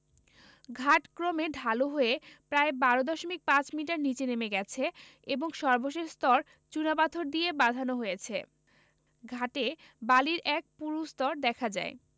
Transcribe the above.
ঘাট ক্রমে ঢালু হয়ে প্রায় ১২ দশমিক ৫ মিটার নিচে নেমে গেছে এবং সর্বশেষ স্তর চুনাপাথর দিয়ে বাঁধানো হয়েছে ঘাটে বালির এক পুরু স্তর দেখা যায়